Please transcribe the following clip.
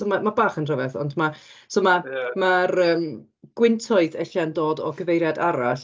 So ma' ma' bach yn rhyfedd ond ma'... so ma'... ia... ma'r yym gwyntoedd ella'n dod o gyfeiriad arall.